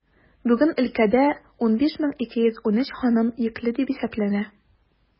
Бүген өлкәдә 15213 ханым йөкле дип исәпләнә.